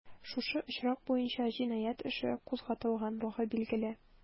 Шушы очрак буенча җинаять эше кузгатылганлыгы билгеле.